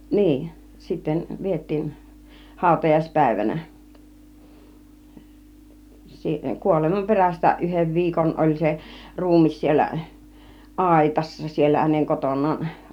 niin sitten vietiin - hautajaispäivänä - kuoleman perästä yhden viikon oli se ruumis siellä aitassa siellä hänen kotonaan